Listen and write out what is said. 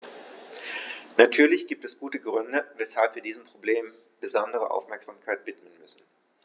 Natürlich gibt es gute Gründe, weshalb wir diesem Problem besondere Aufmerksamkeit widmen müssen.